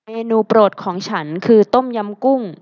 เมนูโปรดของฉันคือต้มยำกุ้ง